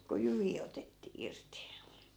kun jyviä otettiin irti